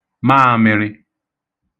maāmị̄rị̄